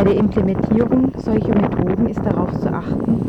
Implementierung solcher Methoden ist darauf zu achten